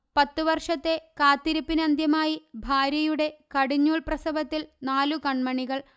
പത്തുവർഷത്തെ കാത്തിരിപ്പിനന്ത്യമായി ഭാര്യയുടെ കടിഞ്ഞൂൽ പ്രസവത്തിൽ നാലു കണ്മണികൾ